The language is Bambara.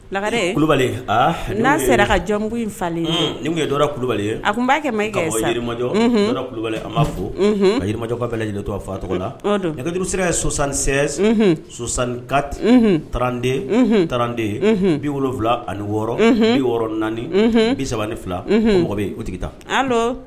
Lare kulubali n'a sera ka jamummu in falenlen nin tun yeɔrɔra kulubali ye a tun b'a kɛ ma i kamajɔ kulubali a maa fɔ a jirimajɔ ka bɛ lajɛlen to a fa tɔgɔ la nɛgɛdi sera ye sɔsan sɛ sɔsankati trante tranden bi wolowula ani wɔɔrɔ bi wɔɔrɔɔrɔn naani bisa ni fila mɔgɔ bɛ u tigi taa